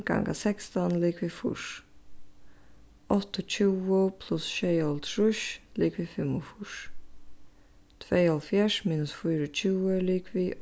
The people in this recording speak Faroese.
ganga sekstan er ligvið fýrs áttaogtjúgu pluss sjeyoghálvtrýss ligvið fimmogfýrs tveyoghálvfjerðs minus fýraogtjúgu er ligvið